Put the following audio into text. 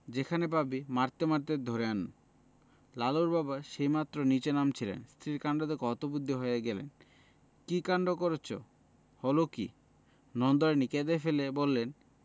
যেখানে পাবি মারতে মারতে ধরে আন্ লালুর বাবা সেইমাত্র নীচে নামছিলেন স্ত্রীর কাণ্ড দেখে হতবুদ্ধি হয়ে গেলেন কি কাণ্ড করচ হলো কি নন্দরানী কেঁদে ফেলে বললেন